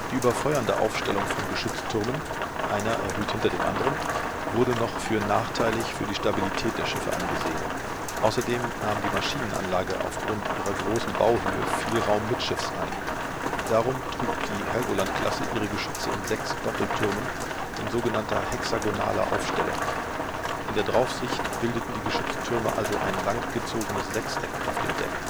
überfeuernde Aufstellung von Geschütztürmen (einer erhöht hinter dem anderen) wurde noch für nachteilig für die Stabilität der Schiffe angesehen, außerdem nahm die Maschinenanlage aufgrund ihrer großen Bauhöhe viel Raum mittschiffs ein. Darum trug die Helgoland-Klasse ihre Geschütze in sechs Doppeltürmen in sogenannter hexagonaler Aufstellung. In der Draufsicht bildeten die Geschütztürme also ein lang gezogenes Sechseck auf dem Deck